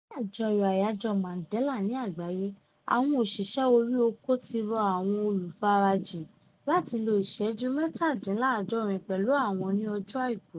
Ní àjọyọ̀ Àyájọ́ Mandela ní Àgbáyé, àwọn òṣìṣẹ́ orí oko ti rọ àwọn olùfarajìn láti lo ìṣẹ́jú 67 pẹ̀lú àwọn ní ọjọ́ Àìkú.